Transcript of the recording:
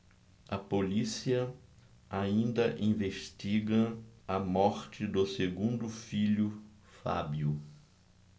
a polícia ainda investiga a morte do segundo filho fábio